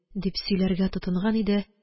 Дип сөйләргә тотынган иде